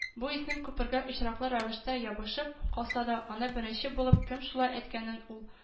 Бу исем күпергә очраклы рәвештә ябышып калса да, аны беренче булып кем шулай әйткәнен ул